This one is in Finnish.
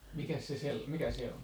mikäs se - mikä se on